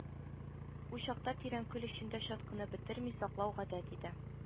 Учакта тирән көл эчендә чаткыны бетерми саклау гадәт иде